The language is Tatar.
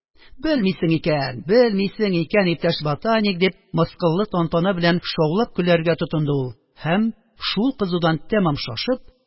– белмисең икән, белмисең икән, иптәш ботаник, – дип, мыскыллы тантана белән шаулап көләргә тотынды ул һәм, шул кызудан тәмам ташып